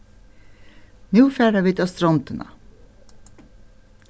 nú fara vit á strondina